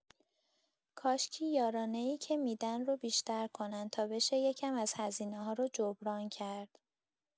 کاشکی یارانه‌ای که می‌دن رو بیشتر کنن تا بشه یه کم از هزینه‌ها رو جبران کرد.